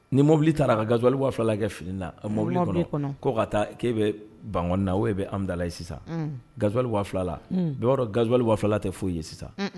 Ni mobili taara ka gazalili filala kɛ finina mɔbili kɔnɔ kɔ ka taa k'e bɛ bank na o de bɛ amidala ye sisan gazaliliwa filala bɛɛ' yɔrɔ ganzalili' filala tɛ foyi ye sisan